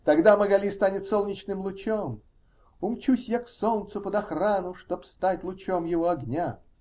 -- Тогда Магали станет солнечным лучом: "Умчусь я к солнцу под охрану, чтоб стать лучом его огня".